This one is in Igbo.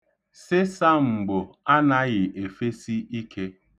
Sịsamgbo anaghị efesi ike.